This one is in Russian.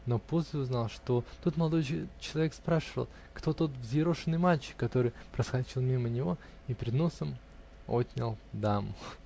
но после узнал, что тот молодой человек спрашивал, кто тот взъерошенный мальчик, который проскочил мимо него и перед носом отнял даму.